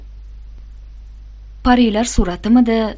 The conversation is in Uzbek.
parilar suratimidi